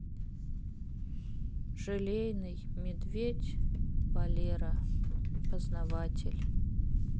желейный медведь валера познаватель